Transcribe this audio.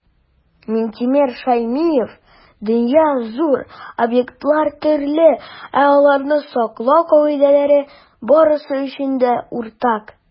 Минтимер Шәймиев: "Дөнья - зур, объектлар - төрле, ә аларны саклау кагыйдәләре - барысы өчен дә уртак".